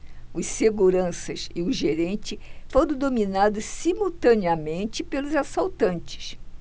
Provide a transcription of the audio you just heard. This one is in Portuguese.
os seguranças e o gerente foram dominados simultaneamente pelos assaltantes